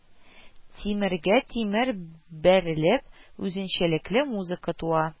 Тимергә тимер бәрелеп, үзенчәлекле музыка туа